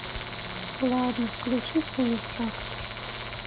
ладно включи синий трактор